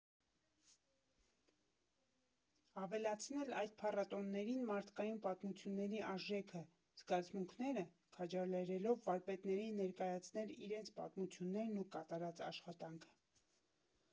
Ավելացնել այդ փառատոներին մարդկային պատմությունների արժեքը, զգացմունքները՝ քաջալերելով վարպետներին ներկայացնել իրենց պատմություններն ու կատարած աշխատանքը։